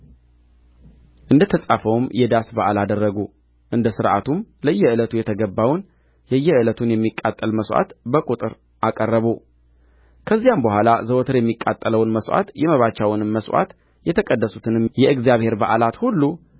እንደ ተጻፈውም የዳስ በዓል አደረጉ እንደ ሥርዓቱም ለየዕለቱ የተገባውን የየዕለቱን የሚቃጠል መሥዋዕት በቍጥር አቀረቡ ከዚያም በኋላ ዘወትር የሚቃጠለውን መሥዋዕት የመባቻውንም መሥዋዕት የተቀደሱትንም የእግዚአብሔር በዓላት ሁሉ